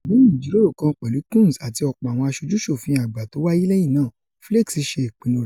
Lẹ́yìn ìjíròrò kan pẹ̀lú Coons àti ọ̀pọ̀ àwọn aṣojú-ṣòfin àgbà tówáyé lẹ́yìn náà, Flakes ṣe ìpinnu rẹ̀.